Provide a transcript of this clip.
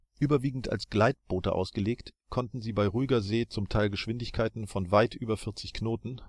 Überwiegend als Gleitboote ausgelegt, konnten sie bei ruhiger See zum Teil Geschwindigkeiten von weit über 40 Knoten